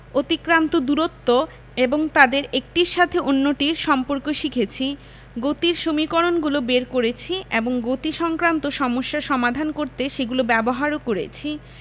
অতিক্রান্ত দূরত্ব এবং তাদের একটির সাথে অন্যটির সম্পর্ক শিখেছি গতির সমীকরণগুলো বের করেছি এবং গতিসংক্রান্ত সমস্যা সমাধান করতে সেগুলো ব্যবহারও করেছি